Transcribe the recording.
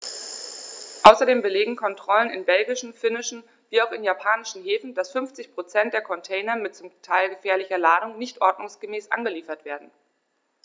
Außerdem belegen Kontrollen in belgischen, finnischen wie auch in japanischen Häfen, dass 50 % der Container mit zum Teil gefährlicher Ladung nicht ordnungsgemäß angeliefert werden.